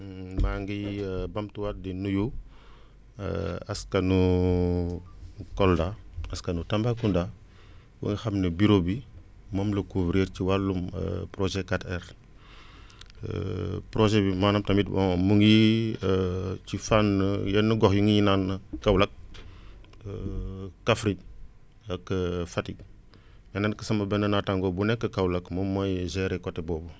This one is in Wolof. maa ngi bamtuwaat di nuyu askanu Kolda askanu Tambacounda ba nga xam ne bureau bi moom la ko réer ci wàllum projet 4R projet bi maanaam tamit bon mu ngi ci fànn yenn gox yu ñuy naan Kaolack Kaffrine ak Fatick ne ko sama benn naataango bu nekk Kaolack moom mooy gérer côté boobu